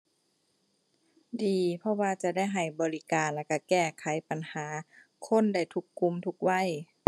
ดี เพราะว่าจะได้ให้บริการแล้วก็แก้ไขปัญหาคนได้ทุกกลุ่มทุกวัย